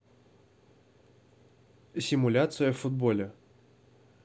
симуляция в футболе